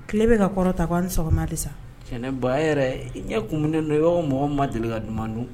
Tile bɛ ka kɔrɔ ta ni sɔgɔma de sa cɛn ba yɛrɛ ɲɛ kun n' y ye mɔgɔ ma deli ka du don